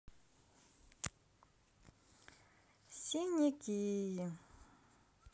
синяки